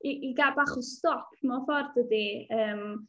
I i gael bach o stop dydy, yym.